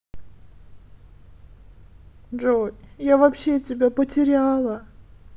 джой я вообще тебя потеряла